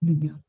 Yn union.